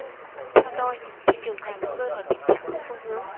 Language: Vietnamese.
theo tôi thị trường vàng đang rơi vào tình trạng không phương hướng